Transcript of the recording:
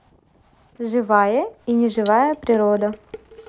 живая и не живая природа